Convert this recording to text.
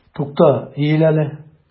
Тукта, иел әле!